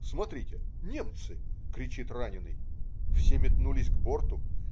Смотрите, немцы!" - кричит раненый. Все метнулись к борту.